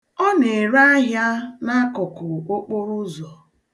Ọ na-ere ahịa n'akụkụ okporụụzọ.